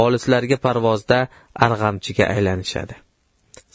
olislarga parvozda arg'amchiga aylanishadi